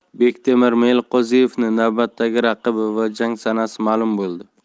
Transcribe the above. bektemir meliqo'ziyevning navbatdagi raqibi va jang sanasi ma'lum bo'ldi